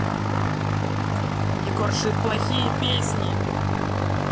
егор шип плохие песни